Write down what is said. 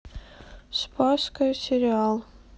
спасская сериал